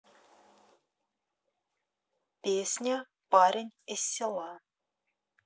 песня парень из села